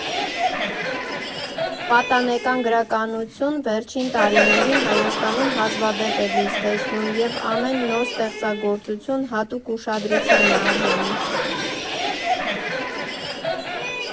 Պատանեկան գրականություն վերջին տարիներին Հայաստանում հազվադեպ է լույս տեսնում և ամեն նոր ստեղծագործություն հատուկ ուշադրության է արժանի։